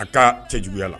A taa cɛ juguya la